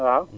waaw